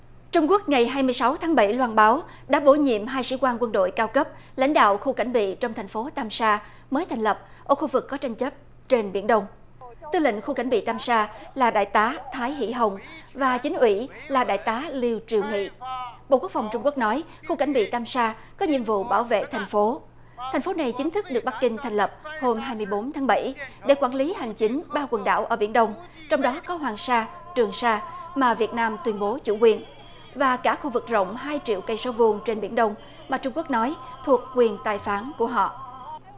trung quốc ngày hai mươi sáu tháng bảy loan báo đã bổ nhiệm hai sĩ quan quân đội cao cấp lãnh đạo khu cảnh bị trong thành phố tam sa mới thành lập ở khu vực có tranh chấp trên biển đông tư lệnh khu cảnh bị tam sa là đại tá thái hỷ hồng và chính ủy là đại tá liêu triều nghị bộ quốc phòng trung quốc nói khu cảnh bị tam sa có nhiệm vụ bảo vệ thành phố thành phố này chính thức được bắc kinh thành lập hôm hai mươi bốn tháng bảy để quản lý hành chính ba quần đảo ở biển đông trong đó có hoàng sa trường sa mà việt nam tuyên bố chủ quyền và cả khu vực rộng hai triệu cây số vuông trên biển đông mà trung quốc nói thuộc quyền tài phán của họ